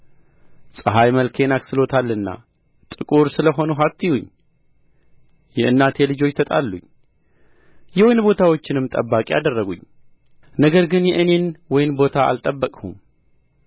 ፀሐይ መልኬን አክስሎታልና ጥቁር ስለ ሆንሁ አትዩኝ የእናቴ ልጆች ተጣሉኝ የወይን ቦታዎችንም ጠባቂ አደረጉኝ ነገር ግን የእኔን ወይን ቦታ አልጠበቅሁም